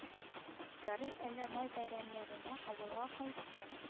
Ярый әле май бәйрәмнәренә авылга кайтты